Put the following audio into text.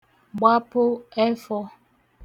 gbapụ ẹfọ̄